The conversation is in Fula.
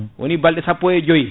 woni balɗe sappo e joyyi